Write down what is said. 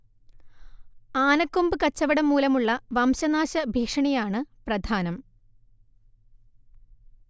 ആനക്കൊമ്പ് കച്ചവടം മൂലമുള്ള വംശനാശ ഭീഷണിയാണ്‌ പ്രധാനം